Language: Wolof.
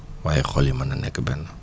waaye xol yi mën na nekk benn